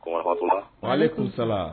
Wa rahmatoullah! Wa aleïkoum salam .